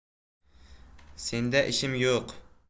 senda ishim yo'q